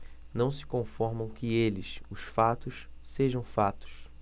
não se conformam que eles os fatos sejam fatos